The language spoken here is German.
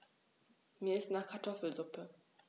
Mir ist nach Kartoffelsuppe.